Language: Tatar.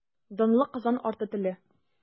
Данлы Казан арты теле.